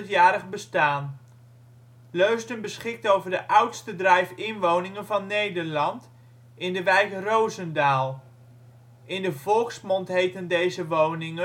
1200-jarig bestaan. Leusden beschikt over de oudste drive-in woningen van Nederland, in de wijk Rozendaal. In de volksmond heten deze woningen